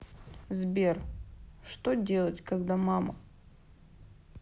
сбер что делать когда мама